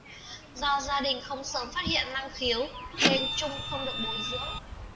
do gia đình không sớm phát hiện năng khiếu nên trung không được bồi dưỡng